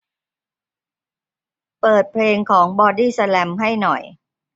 เปิดเพลงของบอดี้สแลมให้หน่อย